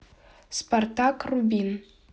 спартак рубин